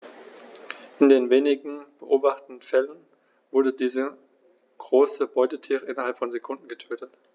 In den wenigen beobachteten Fällen wurden diese großen Beutetiere innerhalb von Sekunden getötet.